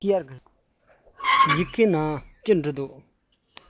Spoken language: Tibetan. ཡི གེའི ནང ག རེ བྲིས འདུག